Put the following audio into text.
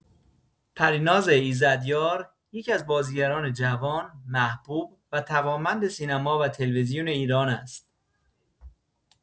پریناز ایزدیار یکی‌از بازیگران جوان، محبوب و توانمند سینما و تلویزیون ایران است.